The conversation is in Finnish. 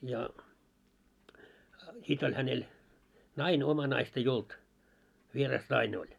ja sitten oli hänellä nainen omaa naista ei ollut vieras nainen oli